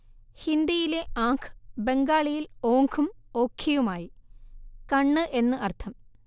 ഹിന്ദിയിലെ ആംഖ് ബംഗാളിയിൽ ഓംഖും ഓഖിയുമായി കണ്ണ് എന്ന്അർത്ഥം